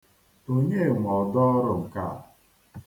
Onye nwe ọdọọrụ nke a?